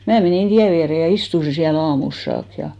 minä menin tien viereen ja istuin siellä aamulle saakka ja